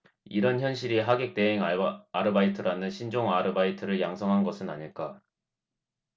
이런 현실이 하객 대행 아르바이트라는 신종 아르바이트를 양성한 것은 아닐까